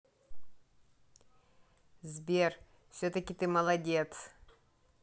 сбер все таки ты молодец